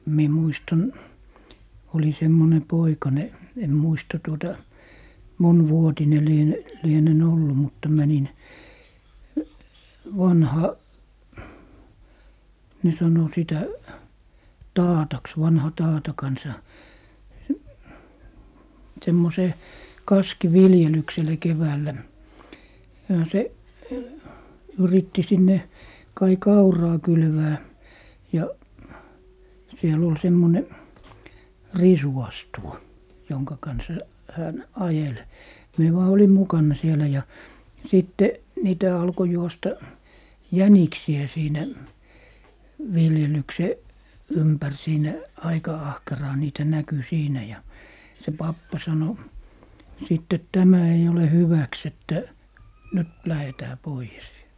minä muistan olin semmoinen poikanen en muista tuota monivuotinen - lienen ollut mutta menin vanha ne sanoi sitä taataksi vanhan taatan kanssa semmoiseen kaskiviljelykselle keväällä ja se yritti sinne kai kauraa kylvää ja siellä oli semmoinen risuastuva jonka kanssa hän ajeli minä vain olin mukana siellä ja sitten niitä alkoi juosta jäniksiä siinä viljelyksen ympäri siinä aika ahkeraan niitä näkyi siinä ja se pappa sanoi sitten tämä ei ole hyväksi että nyt lähdetään pois